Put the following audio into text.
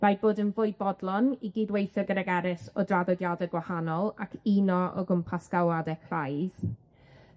Rhaid bod yn fwy bodlon i gydweithio gydag eryll o draddodiade gwahanol, ac uno o gwmpas galwade craidd.